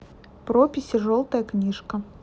прописи желтая книжка